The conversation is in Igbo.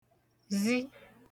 zi